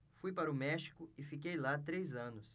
fui para o méxico e fiquei lá três anos